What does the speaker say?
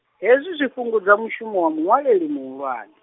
hezwi zwi fhungudza mushumo wa muṅwaleli muhulwane.